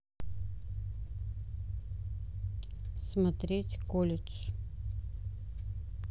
смотреть колледж